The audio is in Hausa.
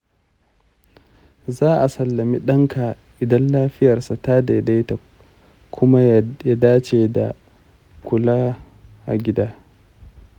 za a sallami danka idan lafiyarsa ta daidaita kuma ya dace da kula a gida.